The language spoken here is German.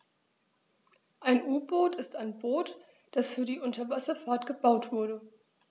Ein U-Boot ist ein Boot, das für die Unterwasserfahrt gebaut wurde.